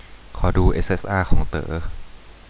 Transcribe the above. ขอดูเอสเอสอาของเต๋อ